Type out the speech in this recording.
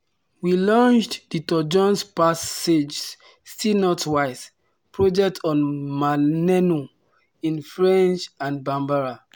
We launched the Toujours Pas Sages (Still not wise) project on Maneno, in French and Bambara.